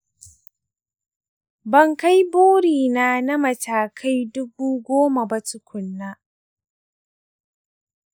ban kai burina na matakai dubu goma ba tukuna.